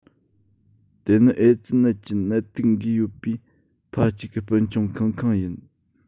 དེ ནི ཨེ ཙི ནད ཀྱི ནད དུག འགོས ཡོད པའི ཕ གཅིག གི སྤུན ཆུང ཁང ཁང ཡིན